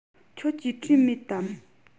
ཁྱོད ཀྱིས བྲིས མེད དམ